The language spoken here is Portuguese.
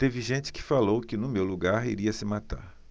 teve gente que falou que no meu lugar iria se matar